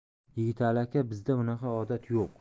yigitali aka bizda bunaqa odat yo'q